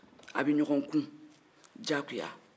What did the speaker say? a bi ɲɔgɔn ku jakosa